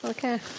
Ocê?